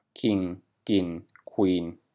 คิงกินควีน